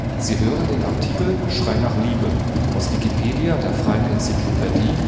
Sie hören den Artikel Schrei nach Liebe, aus Wikipedia, der freien Enzyklopädie